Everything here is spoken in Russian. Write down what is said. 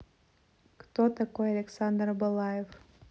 кто такой александр балаев